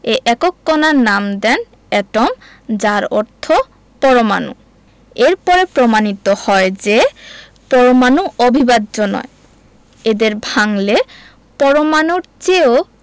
এ একক কণার নাম দেন Atom যার অর্থ পরমাণু এর পরে প্রমাণিত হয় যে পরমাণু অবিভাজ্য নয় এদের ভাঙলে পরমাণুর চেয়েও